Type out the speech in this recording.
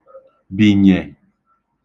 bìnyè